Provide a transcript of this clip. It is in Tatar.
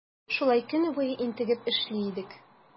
Шулай көне буе интегеп эшли идек.